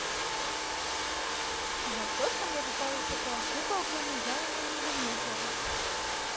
за то что мне попалась такая куколка но я его заметила